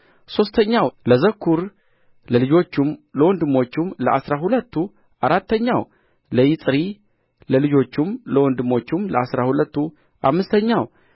ሦስተኛው ለዘኩር ለልጆቹም ለወንድሞቹም ለአሥራ ሁለቱ አራተኛው ለይጽሪ ለልጆቹም ለወንድሞቹም ለአሥራ ሁለቱ አምስተኛው